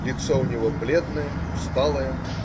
(Лицо у него - бледное, усталое.